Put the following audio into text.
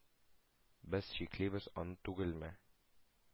Без чиклибез аны түгелме?!